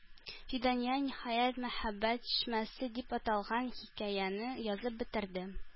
Фидания, ниһаять, "Мәхәббәт чишмәсе" дип аталган хикәяне язып бетерде.